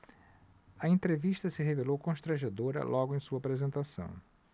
a entrevista se revelou constrangedora logo em sua apresentação